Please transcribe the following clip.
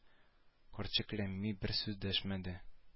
Карчык ләммим бер сүз дәшмәде